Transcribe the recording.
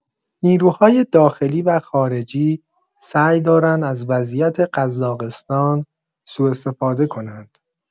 نیروهای داخلی و خارجی سعی دارند از وضعیت قزاقستان سوء‌استفاده کنند.